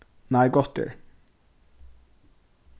nei gott er